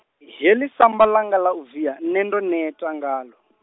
heḽi samba langa ḽa u via, nṋe ndo neta ngaḽo.